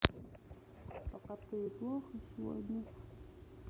пока ты плохо сегодня